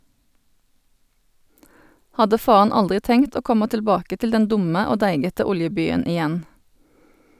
Hadde faen aldri tenkt å komma tilbake til den dumme og deigete oljebyen igjen.